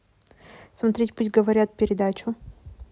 смотреть пусть говорят передачу